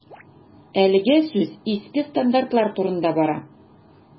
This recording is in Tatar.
Әлегә сүз иске стандартлар турында бара.